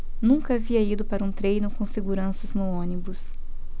nunca havia ido para um treino com seguranças no ônibus